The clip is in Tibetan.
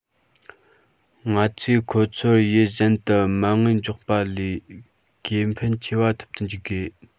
ང ཚོས ཁོ ཚོར ཡུལ གཞན དུ མ དངུལ འཇོག པ ལས ཁེ ཕན ཆེ བ ཐོབ ཏུ འཇུག དགོས